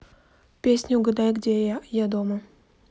песня угадай где я я дома